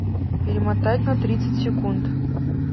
перемотать на тридцать секунд